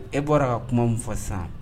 E bɔra ka kuma min fɔ sisan